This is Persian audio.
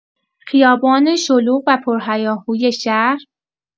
خیابان شلوغ و پرهیاهوی شهر